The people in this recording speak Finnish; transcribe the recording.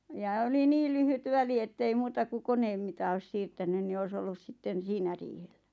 ja oli niin lyhyt väli että ei muuta kuin koneen mitä olisi siirtänyt niin olisi ollut sitten siinä riihellä